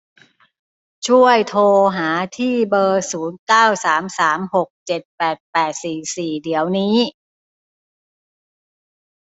ช่วยโทรหาที่เบอร์ศูนย์เก้าสามสามหกเจ็ดแปดแปดสี่สี่เดี๋ยวนี้